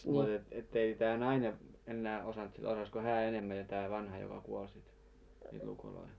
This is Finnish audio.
mutta että että ei tämä nainen enää osannut sitten osasiko hän enemmän tämä vanha joka kuoli sitten niitä lukuja